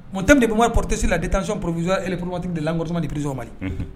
Mɔt debmo porotesi la de taasi poroz eekbaliti de lakrma didizseo ma